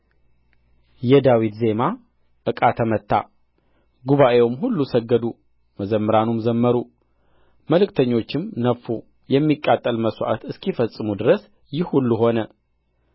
የዳዊት ዜማ ዕቃ ተመታ ጉባኤውም ሁሉ ሰገዱ መዘምራኑም ዘመሩ መለከተኞችም ነፉ የሚቃጠለው መሥዋዕት እስኪፈጸም ድረስ ይህ ሁሉ ሆነ